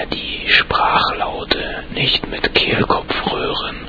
die Sprachlaute nicht mit Kehlkopfröhren